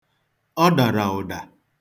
Ọ dara ụda.